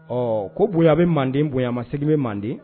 Ɔ ko bonya bɛ manden bonyayanma se bɛ mande